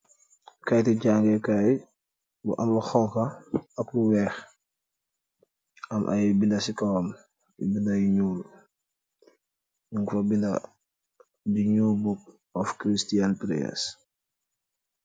kaayte jange kaay bu aml xooka aku weex am ay bina ci kowam yi bina yu ñuur ñunufa bna di ñuo book of christian prayers.